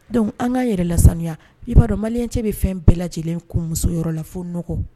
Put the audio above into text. Dɔnku an ka yɛrɛ lasanya i b'a dɔn malicɛ bɛ fɛn bɛɛ lajɛlen kun musoyɔrɔ la fo nn